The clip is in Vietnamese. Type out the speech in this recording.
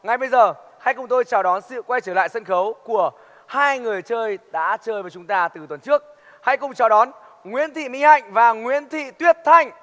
ngay bây giờ hãy cùng tôi chào đón sự quay trở lại sân khấu của hai người chơi đã chơi với chúng ta từ tuần trước hãy cùng chờ đón nguyễn thị mỹ hạnh và nguyễn thị tuyết thanh